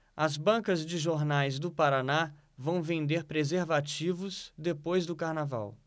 as bancas de jornais do paraná vão vender preservativos depois do carnaval